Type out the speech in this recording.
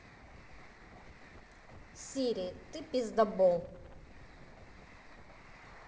сири ты пиздабол